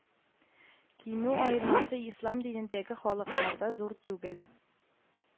Кимү аермасы ислам динендәге халыкларда зур түгел